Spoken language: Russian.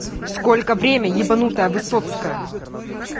сколько время ебанутая высоцкая